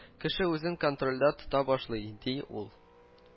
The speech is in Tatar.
Кеше үзен контрольдә тота башлый", ди ул